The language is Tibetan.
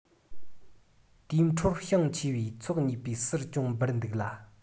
དེའི འཕྲོར ཞེང ཆེ བའི ཚོགས གཉིས པའི ཟུར ཅུང འབུར འདུག ལ